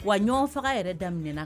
Wa ɲɔgɔn faga yɛrɛ daminɛna